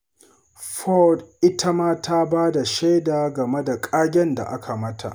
Ford ita ma ta ba da shaida game da ƙagen da aka mata.